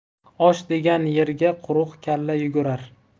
osh degan yerga quruq kalla yugurar